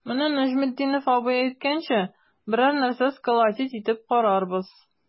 Менә Нәҗметдинов абый әйткәнчә, берәр нәрсә сколотить итеп карарбыз.